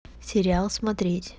сериал смотреть